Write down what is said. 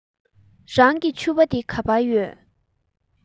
རང གི ཕྱུ པ དེ ག པར ཡོད